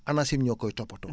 ANACIM ñoo koy toppatoo